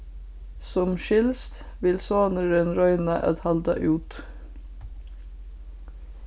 sum skilst vil sonurin royna at halda út